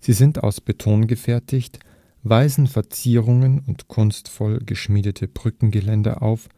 Sie sind aus Beton gefertigt, weisen Verzierungen und kunstvoll geschmiedete Brückengeländer auf.